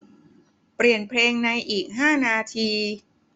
เปลี่ยนเพลงในอีกห้านาที